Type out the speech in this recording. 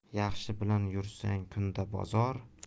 yaxshi bilan yursang kunda bozor